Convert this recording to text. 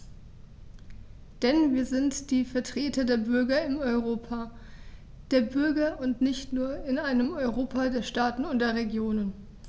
Denn wir sind die Vertreter der Bürger im Europa der Bürger und nicht nur in einem Europa der Staaten und der Regionen.